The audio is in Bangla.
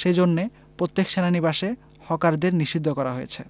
সেজন্যে প্রত্যেক সেনানিবাসে হকারদের নিষিদ্ধ করা হয়েছে